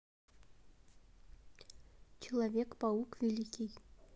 человек паук великий